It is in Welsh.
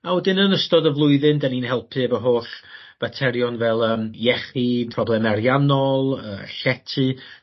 A wedyn yn ystod y flwyddyn 'dyn ni'n helpu efo holl faterion fel yym iechyd probleme ariannol yy llety.